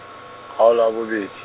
kgaolo a bobedi.